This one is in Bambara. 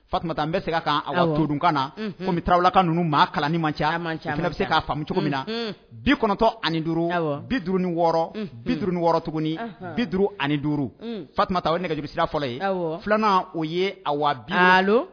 Fa n bɛ se ka ka dokan na bi tarawelela ka ninnu maa kalan ni man ca bɛ se k'a cogo min na bi kɔnɔntɔ ani duuru bi duuru ni wɔɔrɔ bi duuru ni wɔɔrɔ tuguni bi duuru ani duuru fa o nɛgɛli bɛsira fɔlɔ ye filanan o ye a wa